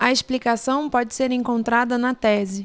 a explicação pode ser encontrada na tese